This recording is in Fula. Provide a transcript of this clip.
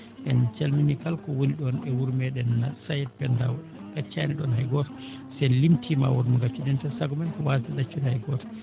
en calminii kala ko woni ɗoon e wuro meeɗen Saed Pendaw en ɗaccaani ɗoon hay gooto si en limtiima won mo ngaccuɗen sago men ko waasde ɗaccude hay gooto